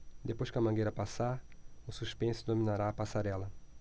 depois que a mangueira passar o suspense dominará a passarela